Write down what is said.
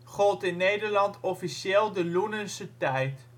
gold in Nederland officieel de Loenense Tijd